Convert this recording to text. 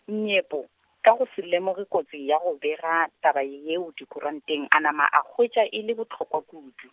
Nyepo, ka go se lemoge kotsi ya go bega taba ye yeo dikuranteng a nama a hwetša e le bohlokwa kudu.